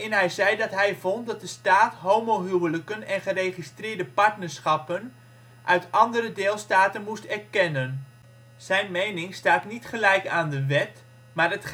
hij zei dat hij vond dat de staat homohuwelijken en geregistreerde partnerschappen uit andere deelstaten moest erkennen. Zijn mening staat niet gelijk aan de wet, maar het